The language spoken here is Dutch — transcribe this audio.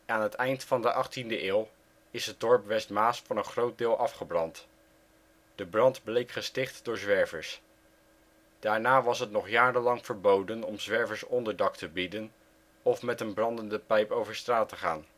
het eind van de 18e eeuw is het dorp Westmaas voor een groot deel afgebrand. De brand bleek gesticht door zwervers. Daarna was het nog jarenlang verboden om zwervers onderdak te bieden of met een brandende pijp over straat te gaan